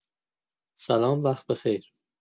سلام وقت بخیر